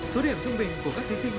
số điểm trung bình của các thí sinh